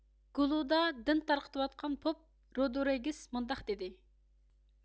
گۇلۇدادىن تارقىتىۋاتقان پوپ رودىرېگىس مۇنداق دېدى